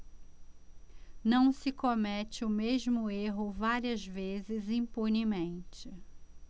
não se comete o mesmo erro várias vezes impunemente